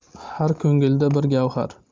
har ko'ngilda bir gavhar